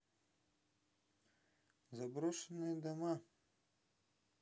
заброшенные дома